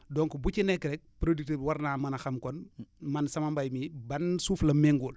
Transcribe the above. donc bu ci nekk rek producteur bi war naa mën a xam kon man sama mbéy mii ban suuf la méngóol